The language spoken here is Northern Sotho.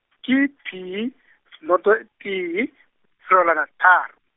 ke tee, noto tee, fegelwana tharo.